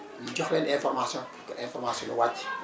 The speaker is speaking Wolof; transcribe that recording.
mu jox leen information pour que information bi wàcc